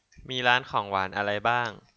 มีร้านของหวานอะไรบ้าง